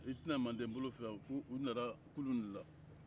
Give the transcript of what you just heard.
i tɛ na mande bolo fɛ u nana kulu de la